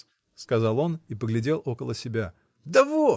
— сказал он и поглядел около себя. — Да вот!